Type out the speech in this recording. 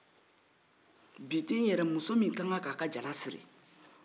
bi den yɛrɛ muso min ka kan ka jala siri